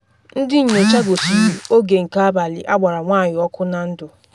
Ndị nyocha gosiri oge nke abalị agbara nwanyị ọkụ na ndụ